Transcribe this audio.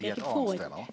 vi er ein annan stad eller?